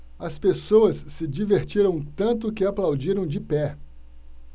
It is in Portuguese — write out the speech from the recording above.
as pessoas se divertiram tanto que aplaudiram de pé